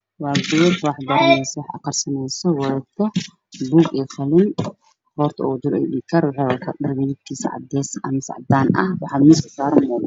Waa gabar waxbaranayso waxay wadataa buugii qalin waxaa farta ugu jiro xidigaar waxay noqotaa dharbiga yahay cadaan iyo cadde xan dulsaaran waa beel